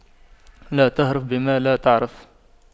لا تهرف بما لا تعرف